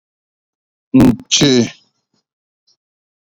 nchị